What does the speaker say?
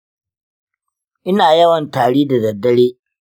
ina yawan tari da daddare.